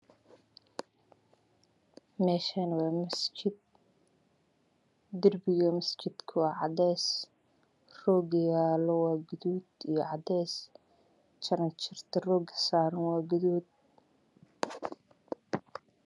Meeshani waa masjid darbiga masjidku waa cadays roogayaalaa waa guduud iyo cadays jaran jarta roogasaaran waa guduud